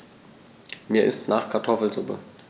Mir ist nach Kartoffelsuppe.